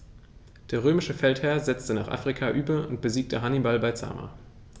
Der römische Feldherr setzte nach Afrika über und besiegte Hannibal bei Zama.